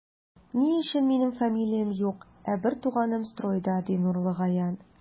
Ни өчен минем фамилиям юк, ә бертуганым стройда, ди Нурлыгаян.